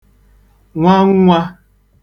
nwannwā